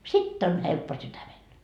sitten on helppo sydämellä